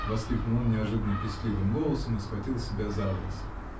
-- воскликнул он неожиданно пискливым голосом и схватил себя за волосы.